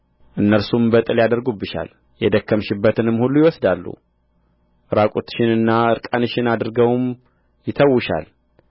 እነርሱም በጥል ያደርጉብሻል የደከምሽበትንም ሁሉ ይወስዳሉ ዕራቁትሽንና ዕርቃንሽን አድርገውም ይተዉሻል